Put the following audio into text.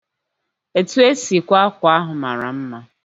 Etu esi kwa akwa ahụ mara mma.